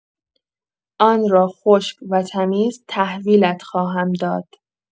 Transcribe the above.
آن را خشک و تمیز تحویلت خواهم داد.